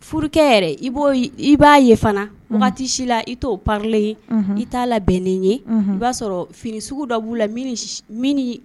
Furukɛ yɛrɛ i b'a ye fana waati si la i t'o parilen ye, i t'a labɛnen ye i b'a sɔrɔ fini sugu dɔ b'u la.